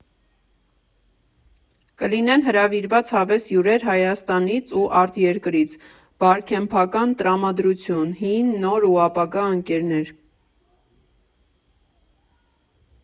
Կլինեն հրավիրված հավես հյուրեր Հայաստանից ու արտերկրից, բարքեմփական տրամադրություն, հին, նոր ու ապագա ընկերներ։